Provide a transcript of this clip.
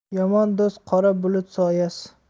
yomon do'st qora bulut soyasi